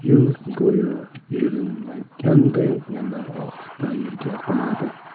yu go'yo eringanday yana ohista yerga qo'nadi